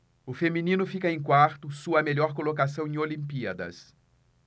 o feminino fica em quarto sua melhor colocação em olimpíadas